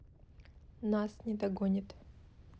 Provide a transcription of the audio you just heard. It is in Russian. нас не догонит